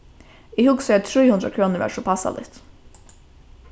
eg hugsaði at trý hundrað krónur var so passaligt